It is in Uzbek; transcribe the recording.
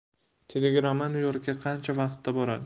telegramma nyu yorkka qancha vaqtda boradi